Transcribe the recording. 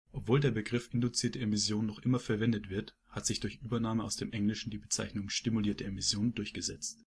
Obwohl der Begriff induzierte Emission noch immer verwendet wird, hat sich durch Übernahme aus dem Englischen die Bezeichnung stimulierte Emission durchgesetzt